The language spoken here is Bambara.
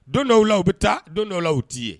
Don dɔw la u bɛ taa don dɔw la u'i ye